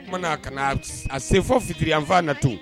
O tumana ka a senfɔ fitiri anfan na to